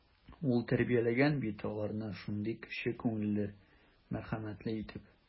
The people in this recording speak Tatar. Ул тәрбияләгән бит аларны шундый кече күңелле, мәрхәмәтле итеп.